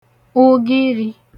ugirī